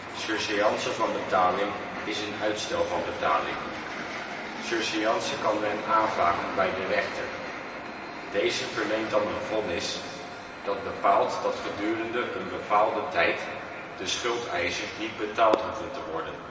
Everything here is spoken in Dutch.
surséance van betaling) is een uitstel van betaling. Surseance kan men aanvragen bij de rechter. Deze verleent dan een vonnis, dat bepaalt dat gedurende een bepaalde tijd de schuldeisers niet betaald hoeven te worden